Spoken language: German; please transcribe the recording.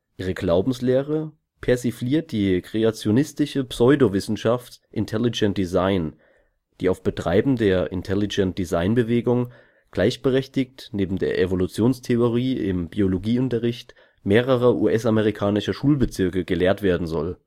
Ihre Glaubenslehre persifliert die kreationistische Pseudowissenschaft Intelligent Design, die auf Betreiben der Intelligent-Design-Bewegung gleichberechtigt neben der Evolutionstheorie im Biologieunterricht mehrerer US-amerikanischer Schulbezirke gelehrt werden soll